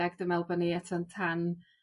ag dwi me'wl bo' ni eto'n tan